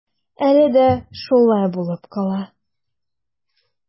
Әле дә шулай булып кала.